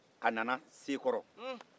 a nana seekɔrɔ